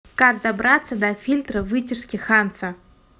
как добраться до фильтра в вытяжке ханса